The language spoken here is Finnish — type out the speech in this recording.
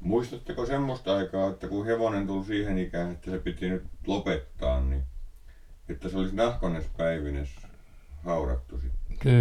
muistatteko semmoista aikaa että kun hevonen tuli siihen ikään että se piti nyt lopettaa niin että se olisi nahkoineen päivineen haudattu sitten